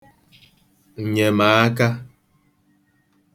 ǹnyèmàaka